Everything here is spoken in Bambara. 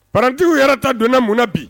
Patigiw yɛrɛ ta donnana mun na bi